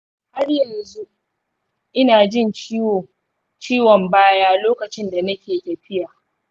har yanzu ina jin ciwon baya lokacin da nake tafiya.